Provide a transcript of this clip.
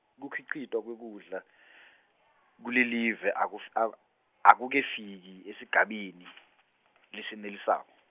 kukhicitwa kwekudla , kulelive akuf- ak- akukefiki esigabeni , lesenelisako.